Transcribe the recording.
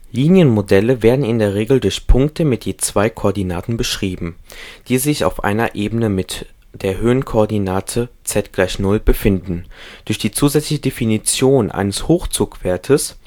Linienmodelle werden in der Regel durch Punkte mit je zwei Koordinaten beschrieben, die sich auf einer Ebene mit der Höhenkoordinate Z = 0 befinden. Durch die zusätzliche Definition eines Hochzugswertes